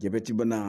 Jabɛti banna